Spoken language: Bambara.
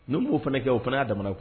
Ni n m'o fana kɛ o fana y'a damana ko ye